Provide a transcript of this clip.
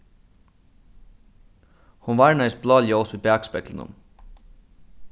hon varnaðist blá ljós í bakspeglinum